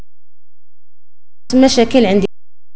مشاكل